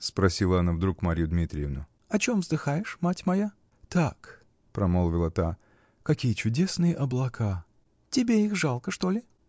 -- спросила она вдруг Марью Дмитриевну. -- О чем вздыхаешь, мать моя? -- Так, -- промолвила та. -- Какие чудесные облака! -- Так тебе их жалко, что ли?